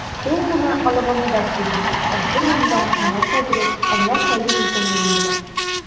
Ул моны Алабамада сөйли, ә кем анда, нәрсә дөрес, ә нәрсә юк икәнлеген белә?